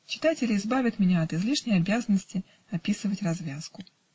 Читатели избавят меня от излишней обязанности описывать развязку.